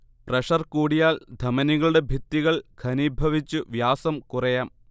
pressure കൂടിയാൽ ധമനികളുടെ ഭിത്തികൾ ഘനീഭവിച്ചു വ്യാസം കുറയാം